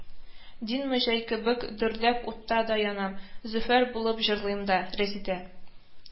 Дин мөҗәй кебек дөрләп утта да янам, зөфәр булып җырлыйм да, рәзидә